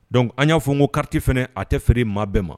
Donc an ɲ'a fɔ ŋo carte fɛnɛ a te feere maa bɛɛ ma